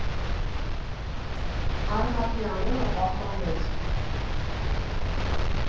Անհատի անունը պահպանվեց։